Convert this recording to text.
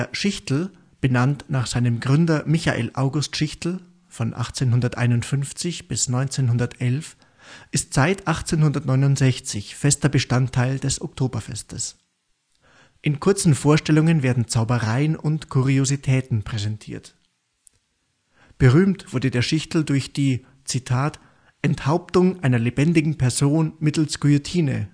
Schichtl “, benannt nach seinem Gründer Michael August Schichtl (1851 – 1911), ist seit 1869 fester Bestandteil des Oktoberfestes. In kurzen Vorstellungen werden Zaubereien und Kuriositäten präsentiert. Berühmt wurde der Schichtl durch die Enthauptung einer lebendigen Person mittels Guillotine